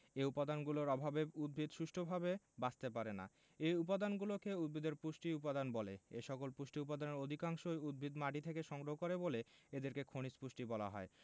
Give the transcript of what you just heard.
এ উপাদানগুলোর অভাবে উদ্ভিদ সুষ্ঠুভাবে বাঁচতে পারে না এ উপাদানগুলোকে উদ্ভিদের পুষ্টি উপাদান বলে এসকল পুষ্টি উপাদানের অধিকাংশই উদ্ভিদ মাটি থেকে সংগ্রহ করে বলে এদেরকে খনিজ পুষ্টি বলা হয়